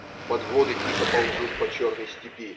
Подводы тихо ползут по черной степи.